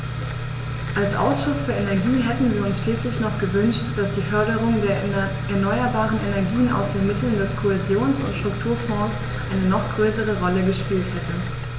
Als Ausschuss für Energie hätten wir uns schließlich noch gewünscht, dass die Förderung der erneuerbaren Energien aus den Mitteln des Kohäsions- und Strukturfonds eine noch größere Rolle gespielt hätte.